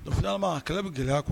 Don filanma kɛlɛ bɛ gɛlɛya kuwa